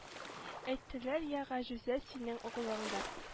Әйттеләр йә гаҗүзә синең углыңдыр